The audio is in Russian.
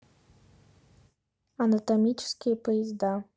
анатомические поезда